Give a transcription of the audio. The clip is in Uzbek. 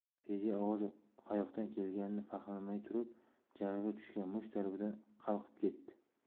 fedya ovoz qayoqdan kelganini fahmlamay turib jag'iga tushgan musht zarbidan qalqib ketdi